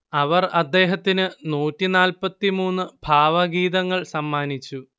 അവർ അദ്ദേഹത്തിന് നൂറ്റിനാല്പത്തിമൂന്ന് ഭാവഗീതങ്ങൾ സമ്മാനിച്ചു